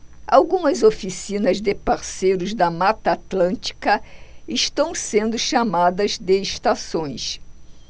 algumas oficinas de parceiros da mata atlântica estão sendo chamadas de estações